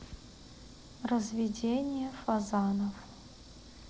разведение фазанов